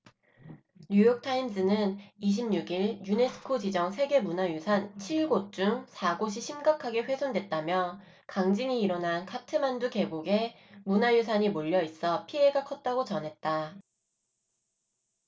뉴욕타임스는 이십 육 일 유네스코 지정 세계문화유산 칠 곳 중 사 곳이 심각하게 훼손됐다며 강진이 일어난 카트만두 계곡에 문화유산이 몰려 있어 피해가 컸다고 전했다